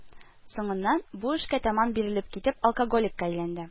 Соңыннан, бу эшкә тәмам бирелеп китеп, алкоголикка әйләнде